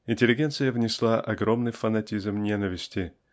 интеллигенция внесла огромный фанатизм ненависти